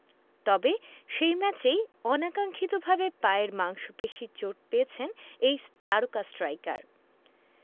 তবে সেই ম্যাচেই অনাকাঙ্ক্ষিতভাবে পায়ের মাংসপেশির চোট পেয়েছেন এই তারকা স্ট্রাইকার